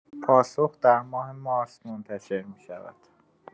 پاسخ در ماه مارس منتشر می‌شود.